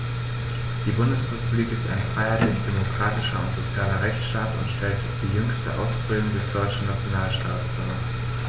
Die Bundesrepublik ist ein freiheitlich-demokratischer und sozialer Rechtsstaat und stellt die jüngste Ausprägung des deutschen Nationalstaates dar.